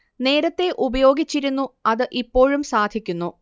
നേരത്തേ ഉപയോഗിച്ചിരുന്നു അത് ഇപ്പോഴും സാധിക്കുന്നു